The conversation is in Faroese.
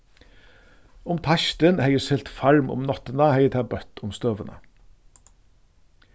um teistin hevði siglt farm um náttina hevði tað bøtt um støðuna